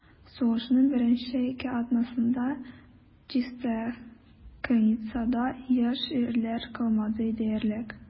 Сугышның беренче ике атнасында Чистая Криницада яшь ирләр калмады диярлек.